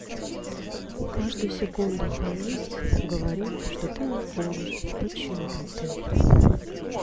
каждую секунду уходить говорит что ты не уходишь почему ты